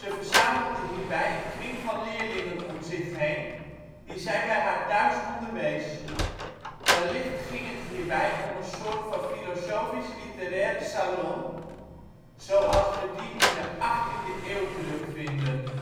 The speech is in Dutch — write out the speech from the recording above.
verzamelde hierbij een kring van leerlingen om zich heen, die zij bij haar thuis onderwees. Wellicht ging het hierbij om een soort van filosofisch-literaire salon, zoals we die in de achttiende eeuw terug vinden